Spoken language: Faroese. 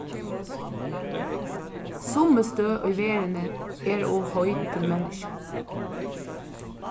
summi støð í verðini eru ov heit til menniskju